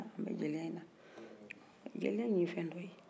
jeliya in ye fɛn dɔ ye hakili b'a tɔ dafa